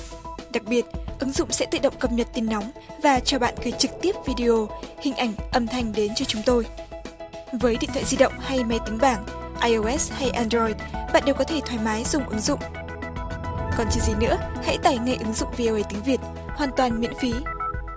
đặc biệt ứng dụng sẽ tự động cập nhật tin nóng và cho bạn gửi trực tiếp vi đi ô hình ảnh âm thanh đến cho chúng tôi với điện thoại di động hay máy tính bảng ai ô ét hay an roi bạn đều có thể thoải mái dùng ứng dụng còn chờ gì nữa hãy tải ngay ứng dụng vi ô ây tiếng việt hoàn toàn miễn phí